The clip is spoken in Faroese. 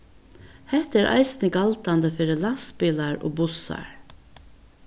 hetta er eisini galdandi fyri lastbilar og bussar